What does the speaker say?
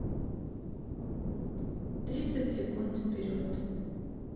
тридцать секунд вперед